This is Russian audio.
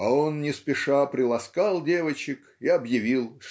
а он не спеша приласкал девочек и объявил